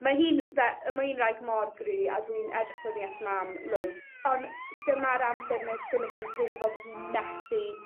ma' hi'n fe- yy ma' hi'n wraig mor gry a dwi'n edrych fyny at mam loads on' dyma'r amser mae lle ma' hi'n teimlo fel bod hi'n methu